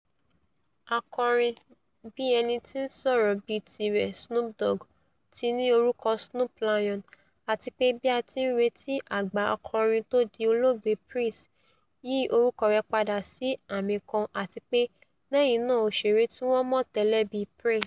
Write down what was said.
Akọrinbíẹnití-ń-sọ̀rọ̀ bí tirẹ̀, Snoop Dogg ti ní orúkọ Snoop Lion àtipe bí a ti ńretí àgbà akọrin tódi olóògbé Prince, yí orúkọ rẹ̵̀ padà sí àmì kan àtipé lẹ́yìn náà òṣèré tíwọn mọ̀ tẹ́lẹ̀ bíi Prince.